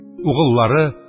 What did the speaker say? Угыллары,